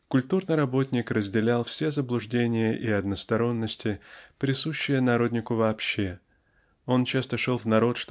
"Культурный работник" разделял все заблуждения и односторонности присущие народнику вообще он часто шел в народ